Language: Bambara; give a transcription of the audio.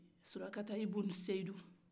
sulakata ibun seidu